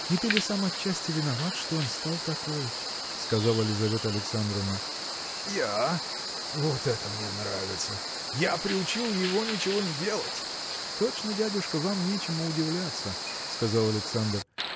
не ты ли сам отчасти виноват, что он стал такой. – сказала Лизавета Александровна. – Я? вот это мне нравится! я приучил его ничего не делать! – Точно дядюшка вам нечему удивляться – сказал Александр